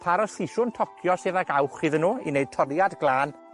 Par o siswrn tocio sydd ag awch iddyn nw, i neud toriad gwlan.